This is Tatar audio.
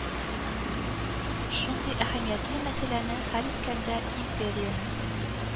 Шундый әһәмиятле мәсьәләне хәл иткәндә, империянең